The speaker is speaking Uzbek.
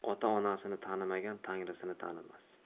ota onasini tanimagan tangrisini tanimas